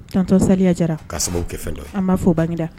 Tantɔn seliliya jara ka sababu fɛn an b'a fɔ bangeda